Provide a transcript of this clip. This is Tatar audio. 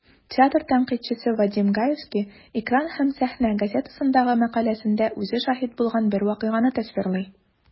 Театр тәнкыйтьчесе Вадим Гаевский "Экран һәм сәхнә" газетасындагы мәкаләсендә үзе шаһит булган бер вакыйганы тасвирлый.